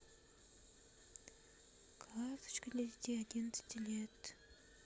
карточка для детей одиннадцати лет